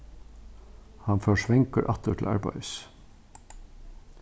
hann fór svangur aftur til arbeiðis